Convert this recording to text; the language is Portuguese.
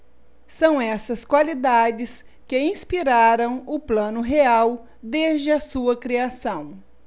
são essas qualidades que inspiraram o plano real desde a sua criação